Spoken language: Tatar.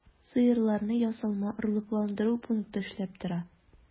Сыерларны ясалма орлыкландыру пункты эшләп тора.